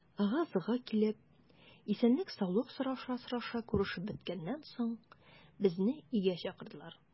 Ыгы-зыгы килеп, исәнлек-саулык сораша-сораша күрешеп беткәннән соң, безне өйгә чакырдылар.